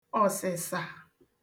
ọ̀sị̀sà